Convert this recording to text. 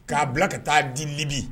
K'a bila ka taa di Libye .